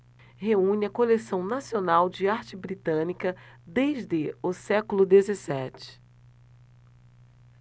reúne a coleção nacional de arte britânica desde o século dezessete